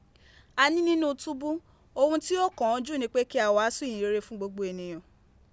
Ani ninu tubu, ohun ti o kan an ju nip e ki a waasu ihinrere fun gbogbo eniyan.